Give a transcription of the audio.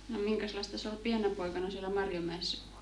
no minkäslaista se oli pienenä poikana siellä Marjomäessä